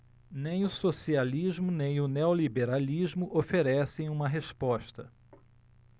nem o socialismo nem o neoliberalismo oferecem uma resposta